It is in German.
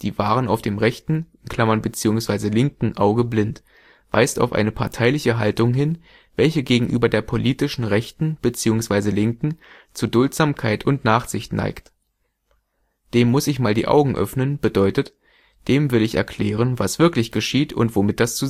waren auf dem rechten (bzw. linken) Auge blind “weist auf eine parteiliche Haltung hin, welche gegenüber der politischen „ Rechten “(bzw. „ Linken “) zu Duldsamkeit und Nachsicht neigt. „ Dem muss ich mal die Augen öffnen. “bedeutet: Dem will ich erklären, was wirklich geschieht und womit das